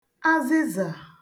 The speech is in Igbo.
azịzà